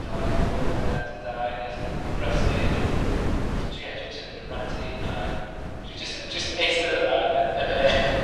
dau o'r gloch hanner awr 'di dau neu os o'n ni'n brysur a d- dw ie dwi jyst yn mynd yn ratty ag dwi jyst yn jyst yn eistedd yna yn yn yy